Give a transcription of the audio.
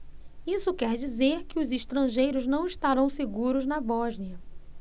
isso quer dizer que os estrangeiros não estarão seguros na bósnia